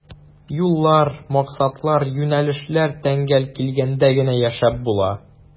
Юллар, максатлар, юнәлешләр тәңгәл килгәндә генә яшәп була.